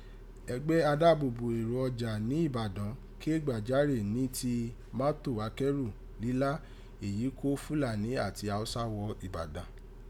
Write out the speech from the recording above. Ẹgbẹ́ Adáàbòbo erò ọjà ni Ibadan ké gbàjarè ni ti mátò akẹ́rù lílá èyí kó Fulani ati Hausa wọ̀ Ibadan